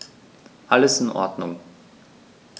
Alles in Ordnung.